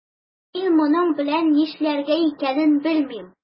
Әмма мин моның белән нишләргә икәнен белмим.